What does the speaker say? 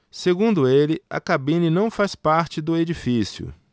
segundo ele a cabine não faz parte do edifício